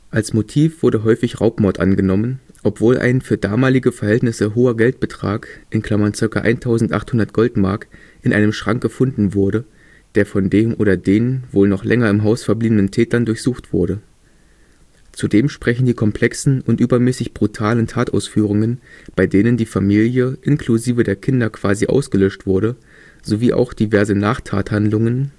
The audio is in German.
Als Motiv wurde häufig Raubmord angenommen, obwohl ein für damalige Verhältnisse hoher Geldbetrag (ca. 1800 Goldmark) in einem Schrank gefunden wurde, der von dem oder den wohl noch länger im Haus verbliebenen Tätern durchsucht wurde. Zudem sprechen die komplexen und übermäßig brutalen Tatausführungen, bei denen die Familie inklusive der Kinder quasi ausgelöscht wurde, sowie auch diverse Nachtathandlungen